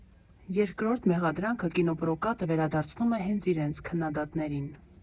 Երկրորդ մեղադրանքը կինոպրոկատը վերադարձնում է հենց իրենց՝ քննադատներին։